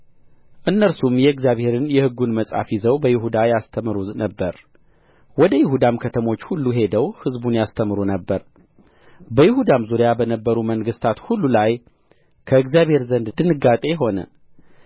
እነርሱም የእግዚአብሔርን የሕጉን መጽሐፍ ይዘው በይሁዳ ያስተምሩ ነበር ወደ ይሁዳም ከተሞች ሁሉ ሄደው ሕዝቡን ያስተምሩ ነበር በይሁዳም ዙሪያ በነበሩ መንግሥታት ሁሉ ላይ ከእግዚአብሔር ዘንድ ድንጋጤ ሆነ